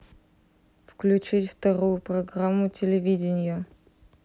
включить вторую программу телевидения